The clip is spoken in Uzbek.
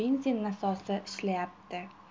benzin nasosi ishlayapti